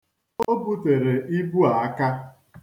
O butere ibu a aka.